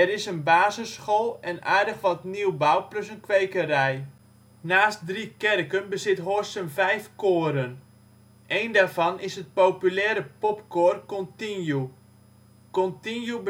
is een basisschool en aardig wat nieuwbouw plus een kwekerij. Naast 3 kerken bezit Horssen 5 koren. Een daarvan is het populaire Popkoor Continue. Continue